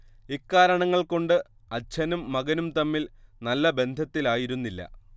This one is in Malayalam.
ഇക്കാരണങ്ങൾ കൊണ്ട് അച്ഛനും മകനും തമ്മിൽ നല്ല ബന്ധത്തിലായിരുന്നില്ല